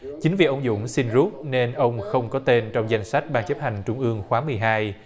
chính vì ông dũng xin rút nên ông không có tên trong danh sách ban chấp hành trung ương khóa mười hai